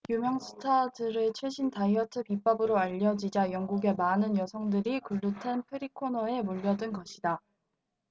유명 스타들의 최신 다이어트 비법으로 알려지자 영국의 많은 여성들이 글루텐 프리 코너에 몰려든 것이다